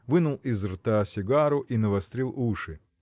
вынул из рта сигару и навострил уши.